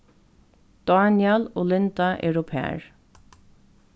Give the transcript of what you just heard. dánjal og linda eru par